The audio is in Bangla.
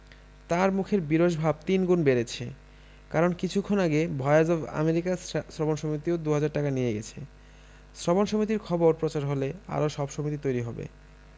তাঁর মুখের বিরস ভাব তিনগুণ বেড়েছে কারণ কিছুক্ষণ আগে ভয়েস অব আমেরিকা শ্রবণ সমিতিও দু হাজার টাকা নিয়ে গেছে শ্রবণ সমিতির খবর প্রচার হলে আরো সব সমিতি তৈরি হবে